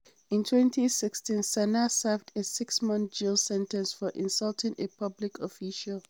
In 2016, Sanaa served a six-month jail sentence for insulting a public official.